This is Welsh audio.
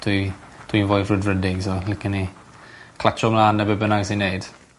Dwi dwi'n foi frwdfrydig so licen i clatsio mlan â be' bynnag sy neud.